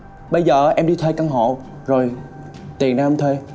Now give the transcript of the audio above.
bây giờ em đi thuê căn hộ rồi tiền đâu em thuê